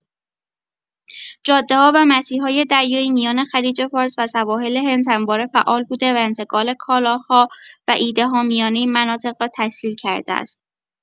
جاده‌ها و مسیرهای دریایی میان خلیج‌فارس و سواحل هند همواره فعال بوده و انتقال کالاها و ایده‌ها میان این مناطق را تسهیل کرده است.